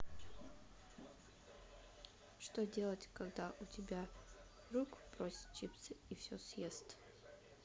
что делать когда у тебя друг просит чипсы и все съест